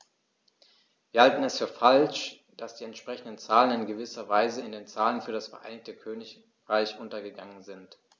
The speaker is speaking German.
Wir halten es für falsch, dass die entsprechenden Zahlen in gewisser Weise in den Zahlen für das Vereinigte Königreich untergegangen sind.